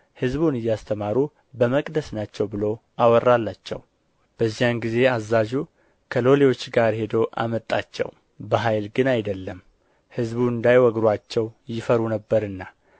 ሕዝቡንም እያስተማሩ በመቅደስ ናቸው ብሎ አወራላቸው በዚያን ጊዜ አዛዡ ከሎሌዎች ጋር ሄዶ አመጣቸው በኃይል ግን አይደለም ሕዝቡ እንዳይወግሩአቸው ይፈሩ ነበርና